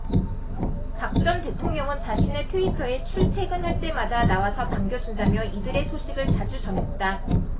박 전 대통령은 자신의 트위터에 출퇴근할 때마다 나와서 반겨준다며 이들의 소식을 자주 전했다